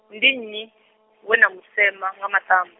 ndi nnyi, we na mu sema, nga maṱamba?